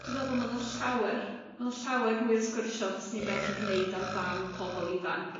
Dw'n meddwl ma' 'na llawer ma' 'na llawer mwy o sgwrsio fysan ni medru gneud am dan pobl ifanc